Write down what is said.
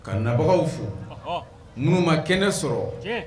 Ka nabagaw fo numukɛ kɛnɛ sɔrɔ